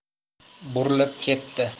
burilib ketdi